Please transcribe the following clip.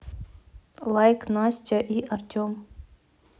лайк настя и артем